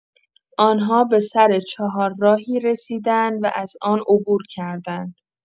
آن‌ها به سر چهارراهی رسیدند و از آن عبور کردند.